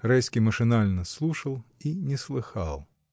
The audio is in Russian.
Райский машинально слушал и не слыхал.